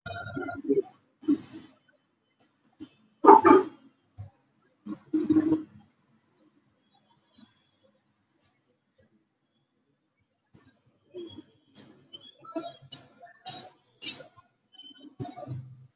Waa qol albaabkiisa furanyahay